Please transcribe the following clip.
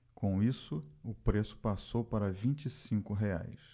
com isso o preço passou para vinte e cinco reais